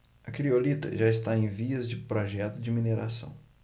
a criolita já está em vias de projeto de mineração